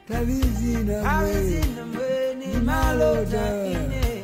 Tabi wa bɛ ni malo ja